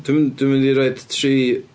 Dwi'n mynd, dwi'n mynd i roi tri...